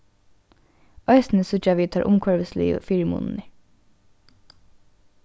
eisini síggja vit teir umhvørvisligu fyrimunirnir